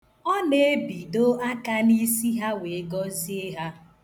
Ọ na-ebido aka n' isi ha wee gozie ha.